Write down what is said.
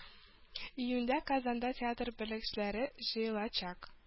Июньдә Казанда театр белгечләре җыелачак